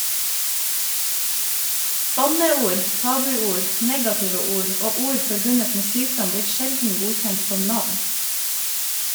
Banneord, tabuord, negative ord og ord forbundet med sykdom blir sjelden godkjent som navn.